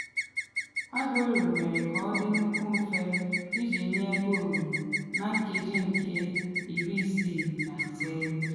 Aguero mere ka ọ dị nnukwu mfe iji nye goolu na nkeji nke 65.